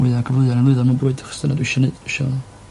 mwy o gyfleuon 'chos dyna dwi isio neud isio...